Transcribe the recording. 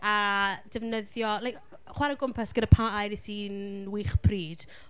A, defnyddio, like chwarae o gwmpas gyda pa air sy’n wych pryd.